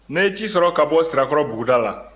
ne ye ci sɔrɔ ka bɔ sirakɔrɔ buguda la